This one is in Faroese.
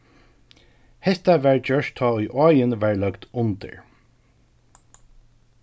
hetta varð gjørt tá ið áin varð løgd undir